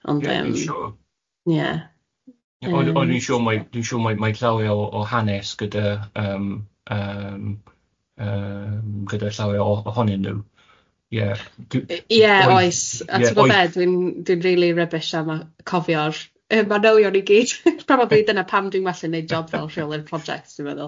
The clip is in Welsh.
Ond yym dim ie... Ond ond dwi'n siŵr mai- dwi'n siŵr mai- mai llawer o o hanes gyda yym yym yym gyda llawer o ohonyn nhw ie dwi-... Ie oes a ti'n gwybod be dwi'n dwi'n rili rybish am yy cofio'r yy manylion i gyd probably dyna pam dwi'n well yn wneud job fel rheolwr prosiect dwi'n meddwl.